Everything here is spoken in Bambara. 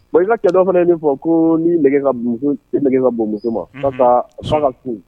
Wa i ka kɛ dɔ fana ye nin fɔ ko ni i nɛgɛ ka bonmuso ma ka taa fa ka kun